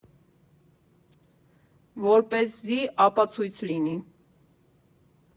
Որպեսզի ապացույց լինի։